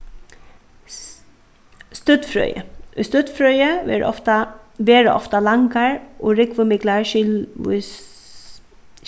støddfrøði í støddfrøði verður ofta verða ofta langar og rúgvumiklar skilvís